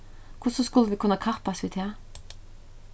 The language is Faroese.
hvussu skulu vit kunna kappast við tað